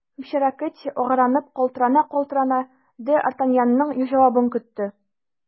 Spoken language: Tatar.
Бичара Кэтти, агарынып, калтырана-калтырана, д’Артаньянның җавабын көтте.